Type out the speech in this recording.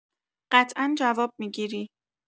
قطعا جواب می‌گیری